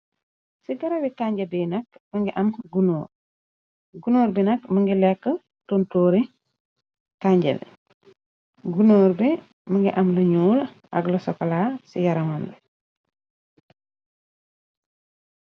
Ci garawi kanje bi nak mungi am ayy gunoor bi nak më ngi lekk tontoori kanje bi gunoor bi mëngi am lañuul ak la sokolaa ci yaramam bi.